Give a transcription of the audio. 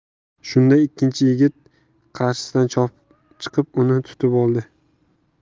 shunda ikkinchi yigit qarshisidan chopib chiqib uni tutib oldi